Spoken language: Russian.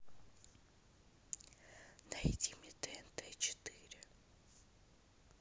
найди мне тнт четыре